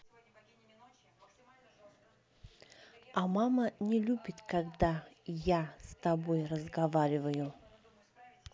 а мама не любит когда я с тобой разговариваю